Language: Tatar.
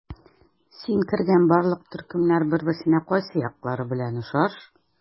Син кергән барлык төркемнәр бер-берсенә кайсы яклары белән охшаш?